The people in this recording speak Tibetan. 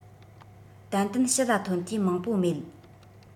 ཏན ཏན ཕྱི ལ ཐོན དུས མང པོ མེད